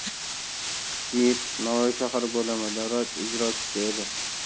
mib navoiy shahar bo'limi davlat ijrochisi edi